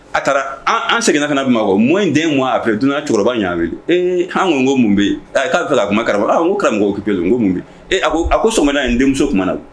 A taara an seginna fana kuma ma ko mɔ in den wa a fɛ dunan cɛkɔrɔba ɲ'a wuli ee h ko ko mun bɛ k'a bila a kuma aa ko karamɔgɔ makopi peere ko mun ee a ko a ko sɔnna in denmuso kumaumana na